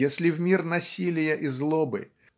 Если в мир насилия и злобы